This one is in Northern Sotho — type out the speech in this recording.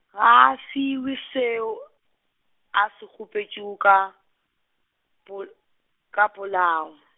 ga a fiwe seo, a se kgopetšego ka, pol-, ka polao.